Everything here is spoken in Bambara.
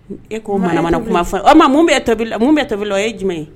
E ko manamana kuma fɔ okuma mun b tobili, mun bɛ tabilila o ye jumɛn ye?